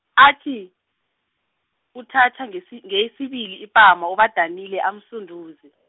athi, uthatha ngesi- ngeyesibili ipama uBadanile amsunduze.